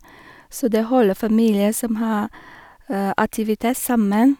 Så det holder familier som har aktivitet, sammen.